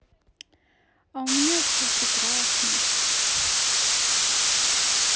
а у меня все прекрасно